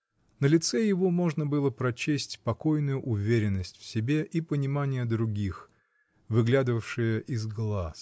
На лице его можно было прочесть покойную уверенность в себе и понимание других, выглядывавшие из глаз.